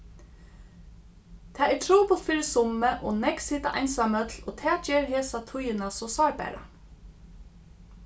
tað er trupult fyri summi og nógv sita einsamøll og tað ger hesa tíðina so sárbara